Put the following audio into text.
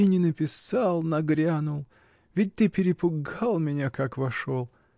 и не написал, нагрянул: ведь ты перепугал меня, как вошел.